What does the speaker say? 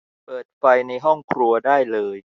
เปิดไฟในห้องครัวได้เลย